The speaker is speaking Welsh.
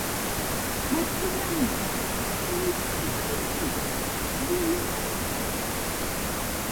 heb gyfiawnder, does 'na ddim heddwch, fydd na ddim heddwch.